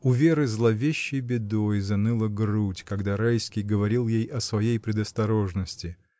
У Веры зловещей бедой заныла грудь, когда Райский говорил ей о своей предосторожности.